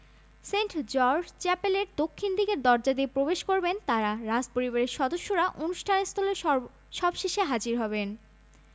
প্রথমআলো এর বিনোদন ডেস্ক হতে সংগৃহীত লিখেছেনঃ স্বপন আহমেদ প্রকাশের সময় ১৪মে ২০১৮ রাত ৩টা ৪৯ মিনিট